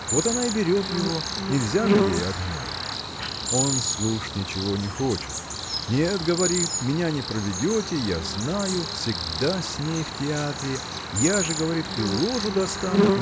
Вот она и берет его: нельзя же ей одной. Он слушать ничего не хочет. Нет, говорит, меня не проведете! я знаю. Всегда с ней в театре я же говорит и ложу достану